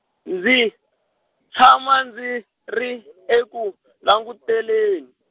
ndzi, tshama ndzi, ri eku, languteleni.